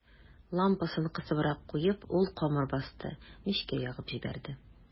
Лампасын кысыбрак куеп, ул камыр басты, мичкә ягып җибәрде.